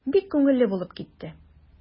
Бик күңелле булып китте.